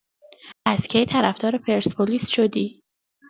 از کی طرفدار پرسپولیس شدی؟